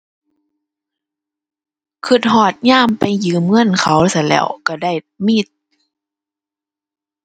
คิดฮอดยามไปยืมเงินเขาซั้นแหล้ว คิดได้มิตร